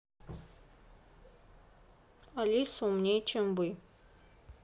алиса умнее чем вы